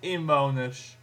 inwoners